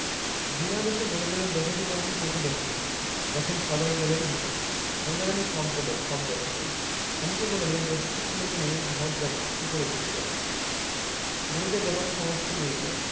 বিনা দোষে গুরুদেবের দশা কি করেছে চোখে দেখোগে তখন সবাই গেলেন ঘরে নন্দরানী সব বললেন সব দেখালেন স্বামীকে বললেন এ দস্যি ছেলেকে নিয়ে ঘর করব কি করে তুমি বল গুরুদেব ব্যাপারটা সমস্ত বুঝলেন